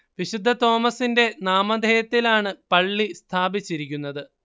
വിശുദ്ധ തോമസിന്റെ നാമധേയത്തിലാണ് പള്ളി സ്ഥാപിച്ചിരിക്കുന്നത്